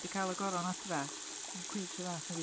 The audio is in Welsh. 'Di cael y Goron adre ddim cweit yr un fath nadi?